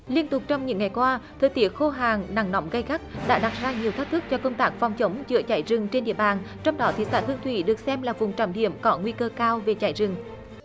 liên tục trong những ngày qua thời tiết khô hạn nắng nóng gay gắt đã đặt ra nhiều thách thức cho công tác phòng chống chữa cháy rừng trên địa bàn trong đó thị xã hương thủy được xem là vùng trọng điểm có nguy cơ cao về cháy rừng